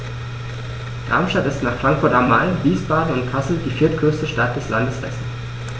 Darmstadt ist nach Frankfurt am Main, Wiesbaden und Kassel die viertgrößte Stadt des Landes Hessen